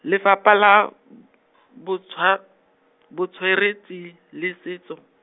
Lefapha la, b- Botshwa-, Botsweretshi le Setso.